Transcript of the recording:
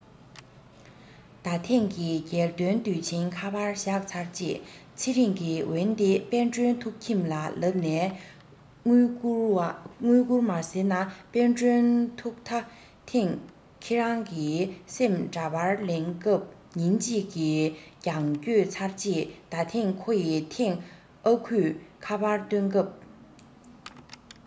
ད ཐེངས ཀྱི རྒྱལ སྟོན དུས ཆེན ཁ པར བཞག ཚར རྗེས ཚེ རིང གི འོན ཏེ དཔལ སྒྲོན ཐུགས ཁྱིམ ལ ལབ ནས དངུལ བསྐུར མ ཟེར ན དཔལ སྒྲོན ཐུགས ད ཐེངས ཁོ རང གི སེམས འདྲ པར ལེན སྐབས ཉིན གཅིག གི རྒྱང བསྐྱོད ཚར རྗེས ད ཐེངས ཁོ ཡི ཐེངས ཨ ཁུས ཨ ཕར བཏོན སྐབས